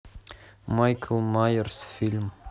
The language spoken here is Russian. майкл майерс фильм